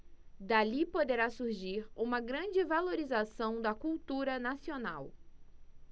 dali poderá surgir uma grande valorização da cultura nacional